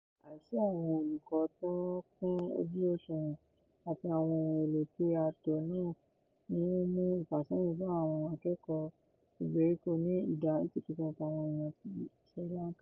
Àìsí àwọn olùkọ tí wọ́n kún ojú òṣùwọ̀n àti àwọn ohun èlò tí ó tó [náà] ni ó ń mú ìfàsẹ́yìn bá àwọn akẹ́kọ̀ọ́ ìgbèríko ní ìdá 80% àwọn èèyàn Sri Lanka.